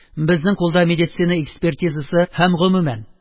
Безнең кулда медицина экспертизасы һәм, гомумән